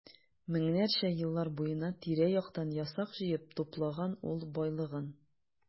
Меңнәрчә еллар буена тирә-яктан ясак җыеп туплаган ул байлыгын.